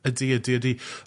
Ydi, ydi, ydi.